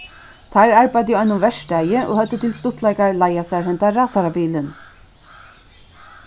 teir arbeiddu á einum verkstaði og høvdu til stuttleikar leigað sær henda rasarabilin